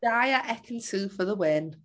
Dai a Ekin Su for the win.